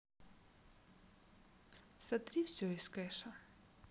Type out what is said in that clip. сотри все из кэша